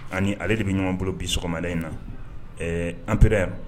Ani ale de bɛ ɲɔgɔn bolo bi sɔgɔma in na anpɛrɛ yan